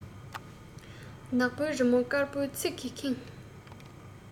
ནག པོའི རི མོ དཀར པོའི ཚིག གིས ཁེངས